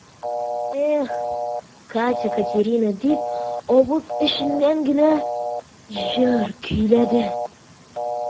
Эх, Катя-Катерина дип, авыз эченнән генә җыр көйләде.